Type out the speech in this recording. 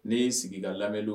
Ni yi sigi ka lamɛni